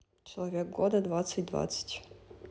человек года двадцать двадцать